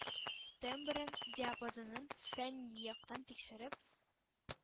Тембрын, диапазонын фәнни яктан тикшереп,